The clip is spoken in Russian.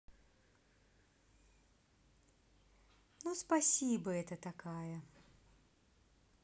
ну спасибо это такая